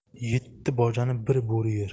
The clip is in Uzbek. yetti bojani bir bo'ri yer